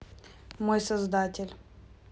мой создатель